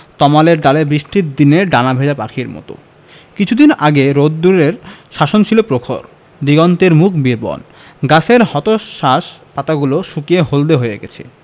তমালের ডালে বৃষ্টির দিনে ডানা ভেজা পাখির মত কিছুদিন আগে রৌদ্রের শাসন ছিল প্রখর দিগন্তের মুখ বিবর্ণ গাছের হতাশ্বাস পাতাগুলো শুকিয়ে হলদে হয়ে গেছে